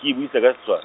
e buise ka tswa-.